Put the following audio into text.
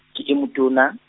ke e motona.